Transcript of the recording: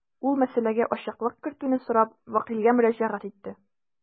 Ул мәсьәләгә ачыклык кертүне сорап вәкилгә мөрәҗәгать итте.